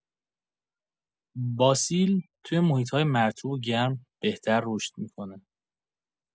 باسیل توی محیط‌های مرطوب و گرم بهتر رشد می‌کنه.